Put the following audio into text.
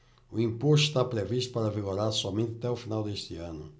o imposto está previsto para vigorar somente até o final deste ano